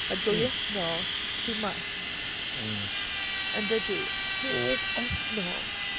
Mae dwy wythnos too much... mm ...yn dydi? deg wythnos!